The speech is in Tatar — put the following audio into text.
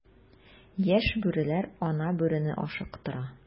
Яшь бүреләр ана бүрене ашыктыра.